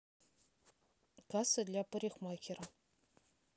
касса для парикмахера